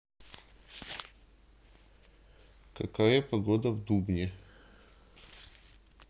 какая погода в дубне